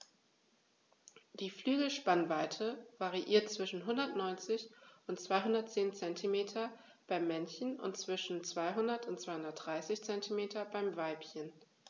Die Flügelspannweite variiert zwischen 190 und 210 cm beim Männchen und zwischen 200 und 230 cm beim Weibchen.